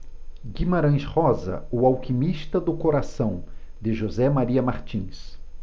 guimarães rosa o alquimista do coração de josé maria martins